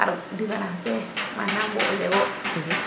xar ref difference fe manaam wo o lewo